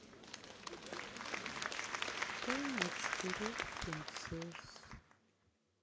тайна четырех принцесс